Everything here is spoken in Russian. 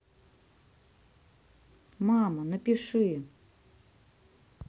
мама напиши